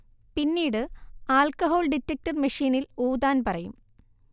പിന്നീട് alcohol detector മെഷീനിൽ ഊതാൻ പറയും